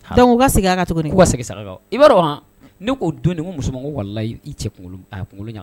Dɔnku u ka segin a ka cogo' ka segin sara dɔn i bɛ dɔn wa ne k'o don nin musoman wala' cɛ kunkolokolon